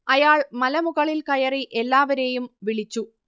അയാൾ മലമുകളിൽ കയറി എല്ലാവരെയും വിളിച്ചു